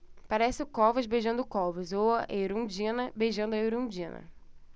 parece o covas beijando o covas ou a erundina beijando a erundina